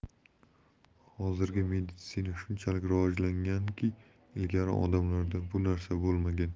hozirgi meditsina shunchalik rivojlanganki ilgari odamlarda bu narsa bo'lmagan